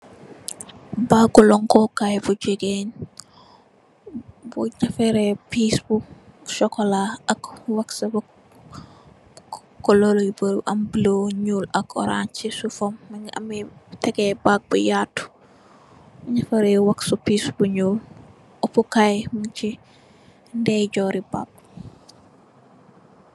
Baagi loonkee kaay bu jigéen, buñ defaree piis bu sokolaa ak waxi, kuloor yu bari am bulu, ñuul ak orans ci suufam, amee tegee kaay si booram, buñ defaree waxi bu ñuul, uppi kaay muñ si ndeyjoor.